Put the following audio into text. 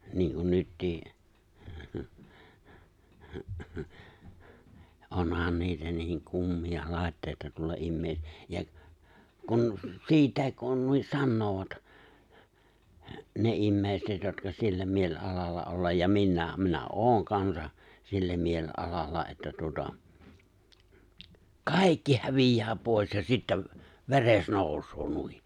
niin kuin nytkin onhan niitä niin kummia laitteita tuolla ihmisillä ja kun siitäkin kun noin sanovat ne ihmiset jotka sillä mielialalla olla ja minäkin minä olen kansa sillä mielialalla että tuota kaikki häviää pois ja sitten veres nousee noin